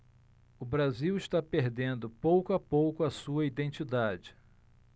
o brasil está perdendo pouco a pouco a sua identidade